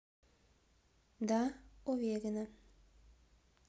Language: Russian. да уверена